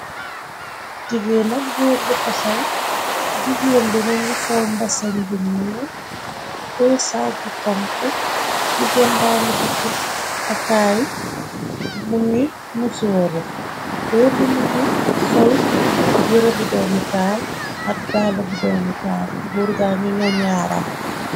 Jigeen ak góor bu taxaw jigeen bi mu ngi sol mbasañ bi ñu tee sagbu konku jigeen bàngi takaay mu ngi musooru góor yu mu ngi sol yere bu doomitaal at daala bu doomitaal burga ngi nga ñyaaram.